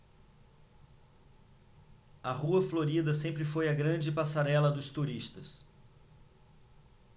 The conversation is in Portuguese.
a rua florida sempre foi a grande passarela dos turistas